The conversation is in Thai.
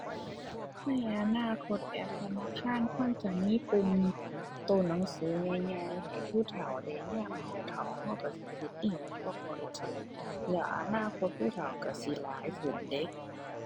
ในอนาคตแอปธนาคารควรจะมีปุ่มตัวหนังสือใหญ่ใหญ่ให้ผู้เฒ่า ได้ยามตัวเฒ่าตัวตัวสิเฮ็ดอิหยังบ่ค่อยตัว แล้วอนาคตผู้เฒ่าตัวสิหลายขึ้นเดะ